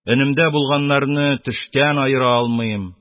Өнемдә булганнарны төштән аера алмыйм